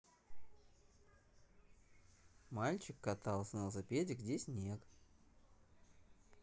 мальчик катался на велосипеде где снег